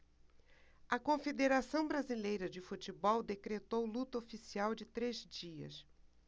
a confederação brasileira de futebol decretou luto oficial de três dias